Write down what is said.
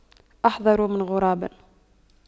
أحذر من غراب